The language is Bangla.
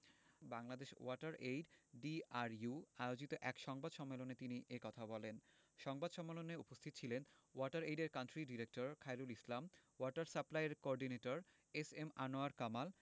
বাংলাদেশ ওয়াটার এইড ডিআরইউ আয়োজিত এক সংবাদ সম্মেলন তিনি এ কথা বলেন সংবাদ সম্মেলনে উপস্থিত ছিলেন ওয়াটার এইডের country director Khairul Islam water সাপ্লাইর coordinator S M Anwar Kamal